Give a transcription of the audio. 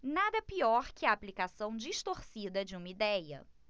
nada pior que a aplicação distorcida de uma idéia